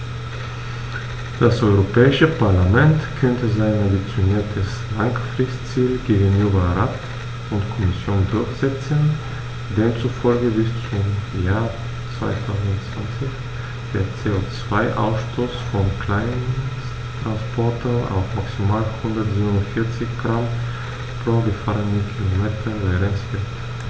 Das Europäische Parlament konnte sein ambitioniertes Langfristziel gegenüber Rat und Kommission durchsetzen, demzufolge bis zum Jahr 2020 der CO2-Ausstoß von Kleinsttransportern auf maximal 147 Gramm pro gefahrenem Kilometer begrenzt wird.